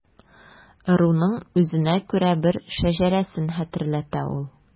Ыруның үзенә күрә бер шәҗәрәсен хәтерләтә ул.